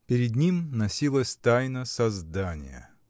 Перед ним носилась тайна создания.